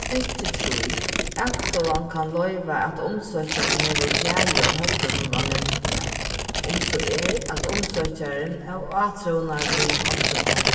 stykki trý akstovan kann loyva at umsøkjarin hevur klæði á høvdinum á myndini um so er at umsøkjarin av átrúnaðarligum orsøkum